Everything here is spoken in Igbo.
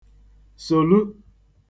solu